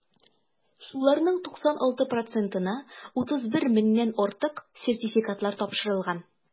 Шуларның 96 процентына (31 меңнән артык) сертификатлар тапшырылган.